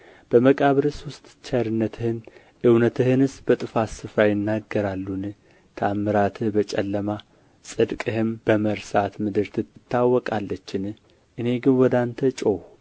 በመቃብርስ ውስጥ ቸርነትህን እውነትህንስ በጥፋት ስፍራ ይናገራሉን ተአምራትህ በጨለማ ጽድቅህንም በመርሳት ምድር ትታወቃለችን አቤቱ እኔ ግን ወደ አንተ ጮኽሁ